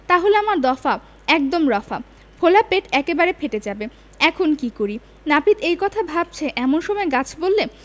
তাহলে আমার দফা একদম রফা ফোলা পেট এবারে ফেটে যাবে এখন করি কী নাপিত এই কথা ভাবছে এমন সময় গাছ বললে